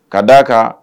Ka d da a kan